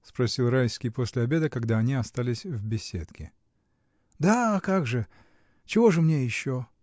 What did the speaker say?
— спросил Райский после обеда, когда они остались в беседке. — Да, а как же? Чего же мне еще?